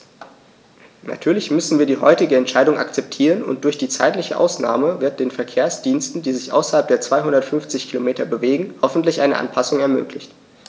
Natürlich müssen wir die heutige Entscheidung akzeptieren, und durch die zeitliche Ausnahme wird den Verkehrsdiensten, die sich außerhalb der 250 Kilometer bewegen, hoffentlich eine Anpassung ermöglicht.